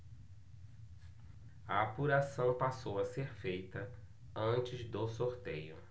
a apuração passou a ser feita antes do sorteio